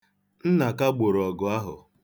Nnaka gboro ọgụ ahụ.